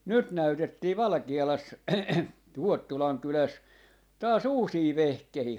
nyt näytettiin Valkealassa Ruottulan kylässä taas uusia vehkeitä